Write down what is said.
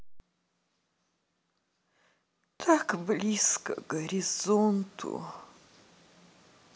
так близко к горизонту